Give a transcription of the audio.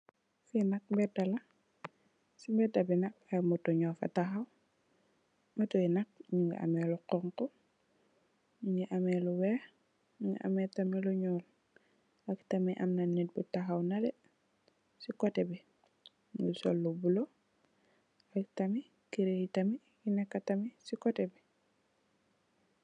Fi nak mbeeda la sey mbeeda bi nak i motor nyofa tahaw motor nak nyungi ameh lu hunhu nyungi ameh lu weih nyungi ameh tamit lu nyuul ak tamit am na nit butahaw neleh sey koteh bi Mungi sol lu blue ak tamit gree tamit yu neka tamit sey koteh bi.